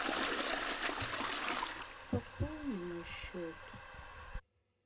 пополни мой счет